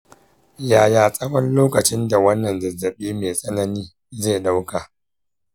yaya tsawon lokacin da wannan zazzabi mai tsanani zai ɗauka?